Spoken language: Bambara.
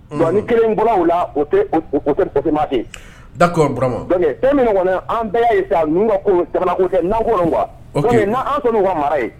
Bon ni kelen bɔra o la o tɛ marcher, d'accord Burama, fɛn min kɔni an bɛɛ y'a ye sisan ninnu ka ko jamanako tɛ nako don quoi, ok n',an sɔnna u ka mara ye